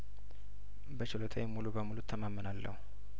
በችሎታዬ ሙሉ በሙሉ እተማመናለሁ